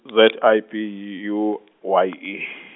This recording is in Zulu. Z I B u- U, Y E.